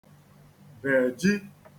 bèji